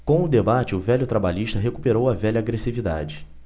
com o debate o velho trabalhista recuperou a velha agressividade